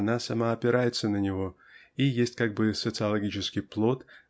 она сама опирается на него и есть как бы социологический плод